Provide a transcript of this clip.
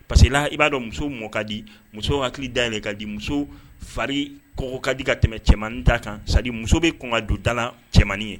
Parce que i b'a dɔn muso mɔ ka di muso hakili da ka di muso fa ko kadi ka tɛmɛ cɛmanmaninin taa kan sa muso bɛ kun ka donda cɛman ye